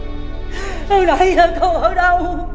từ nãy giờ cô ở đâu